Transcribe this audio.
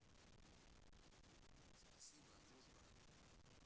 спасибо дружба